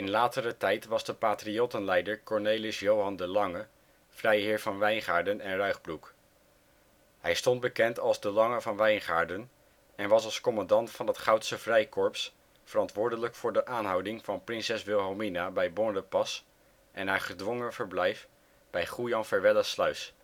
later tijd was de patriottenleider Cornelis Johan de Lange, vrijheer van Wijngaerden en Ruygbroek. Hij stond bekend als De Lange van Wijngaerden en was als commandant van het Goudse Vrijkorps, verantwoordelijk voor de aanhouding van Prinses Wilhelmina bij Bonrepas en haar gedwongen verblijf bij Goejanverwellesluis